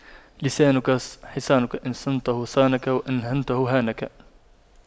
لسانك حصانك إن صنته صانك وإن هنته هانك